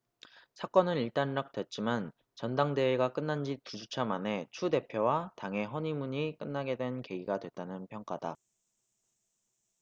사건은 일단락됐지만 전당대회가 끝난지 두 주차 만에 추 대표와 당의 허니문이 끝나게 된 계기가 됐다는 평가다